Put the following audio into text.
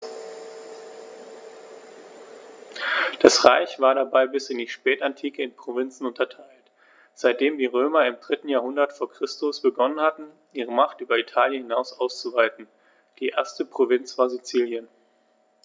Das Reich war dabei bis in die Spätantike in Provinzen unterteilt, seitdem die Römer im 3. Jahrhundert vor Christus begonnen hatten, ihre Macht über Italien hinaus auszuweiten (die erste Provinz war Sizilien).